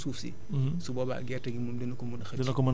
yi des ci tool bi te mënu koo jëfandikoo ak yi desoon ci suuf si